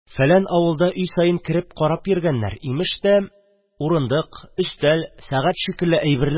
– фәлән авылда өй саен кереп карап йөргәннәр: имеш тә, урындык, өстәл, сәгать шикелле әйберләр